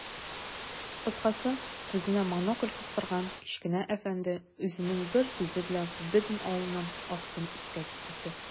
Кыскасы, күзенә монокль кыстырган кечкенә әфәнде үзенең бер сүзе белән бөтен авылның астын-өскә китерде.